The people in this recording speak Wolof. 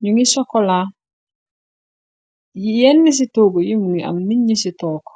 nyu ngi sokolaa yi yenn na ci toggu yi mugi am nit nyung ci tork